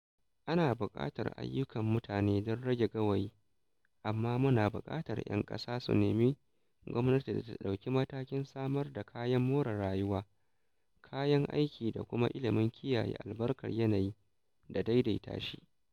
Ana buƙatar aiyukan mutane don rage gawayi amma muna buƙatar 'yan ƙasa su nemi gwamnati ta ɗauki matakin samar da kayan more rayuwa, kayan aiki da kuma ilimin kiyaye albarkar yanayi da daidaita shi.